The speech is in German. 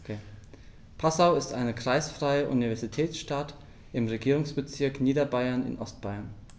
Passau ist eine kreisfreie Universitätsstadt im Regierungsbezirk Niederbayern in Ostbayern.